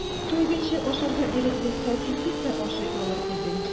Туйганчы ашарга ирек булса, син күпме ашый алыр идең?